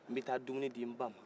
n bɛ taa dumini di n ba ma